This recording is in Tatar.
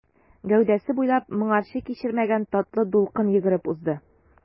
Гәүдәсе буйлап моңарчы кичермәгән татлы дулкын йөгереп узды.